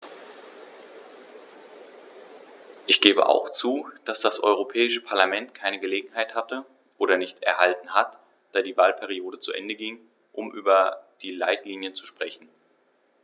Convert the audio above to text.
Ich gebe auch zu, dass das Europäische Parlament keine Gelegenheit hatte - oder nicht erhalten hat, da die Wahlperiode zu Ende ging -, um über die Leitlinien zu sprechen.